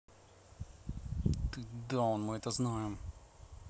ты даун мы это знаем